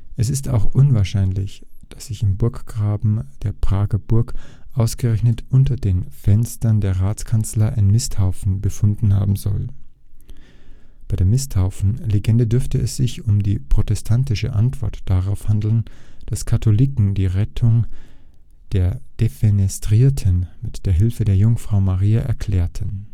Es ist auch unwahrscheinlich, dass sich im Burggraben der Prager Burg ausgerechnet unter den Fenstern der Ratskanzlei ein Misthaufen befunden haben soll. Bei der Misthaufen-Legende dürfte es sich um die protestantische Antwort darauf handeln, dass Katholiken die Rettung der Defenestrierten mit der Hilfe der Jungfrau Maria erklärten